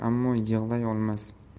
ammo yig'lay olmas